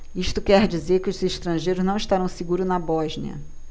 isso quer dizer que os estrangeiros não estarão seguros na bósnia